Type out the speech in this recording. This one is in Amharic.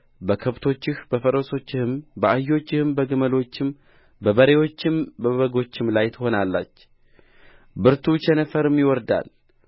በከብቶችህ በፈረሶችም በአህዮችም በግመሎችም በበሬዎችም በበጎችም ላይ ትሆናለች ብርቱ ቸነፈርም ይወርዳል